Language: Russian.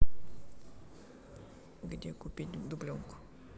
где купить дубленку